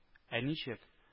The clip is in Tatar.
Ә ничек